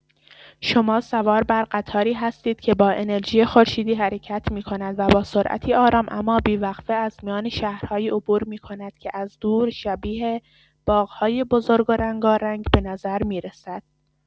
شما سوار بر قطاری هستید که با انرژی خورشیدی حرکت می‌کند و با سرعتی آرام اما بی‌وقفه از میان شهرهایی عبور می‌کند که از دور شبیه باغ‌های بزرگ و رنگارنگ به نظر می‌رسند.